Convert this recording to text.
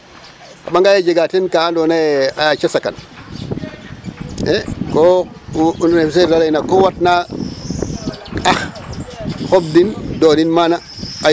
A soɓanga yee jega teen ka andoonaye a yaaca sakan e ko un we Serir a laytuna ko watna ax xobdin doonin maana.